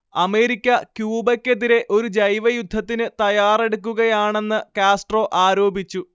America ക്യൂബക്കെതിരേ ഒരു ജൈവയുദ്ധത്തിന് തയ്യാറെടുക്കുകയാണെന്ന് കാസ്ട്രോ ആരോപിച്ചു